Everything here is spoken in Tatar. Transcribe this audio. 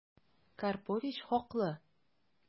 Карпович хаклы...